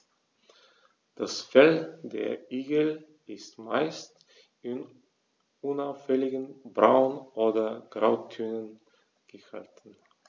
Das Fell der Igel ist meist in unauffälligen Braun- oder Grautönen gehalten.